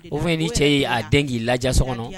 O fana ni cɛ y''a den k'i la so kɔnɔ